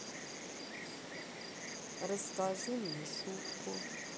расскажи мне шутку